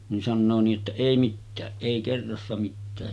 niin sanoo niin että ei mitään ei kerrassa mitään